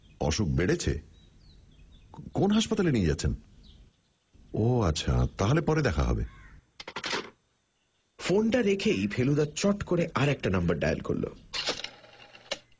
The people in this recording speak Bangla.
অসুখ বেড়েছে কোন হাসপাতালে নিয়ে যাচ্ছেন ও আচ্ছা তা হলে পরে দেখা হবে ফোনটা রেখেই ফেলুদা চট করে আরেকটা নম্বর ডায়াল করল